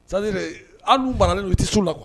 C'est à dire hali n'u i tɛ s'ola quoi